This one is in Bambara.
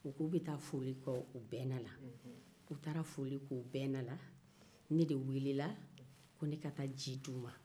unhun u taara foli kɛ u bɛna na ne de welela ko ne ka taa ji di u ma